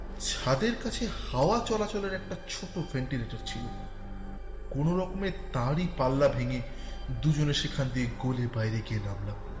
ছাদের কাছে হাওয়া চলাচলের একটা ছোট ভেন্টিলেটর ছিল কোনরকমে তারই পাল্লা ভেঙে দুজনে সেখান দিয়ে গলে বাইরে গিয়ে নামলাম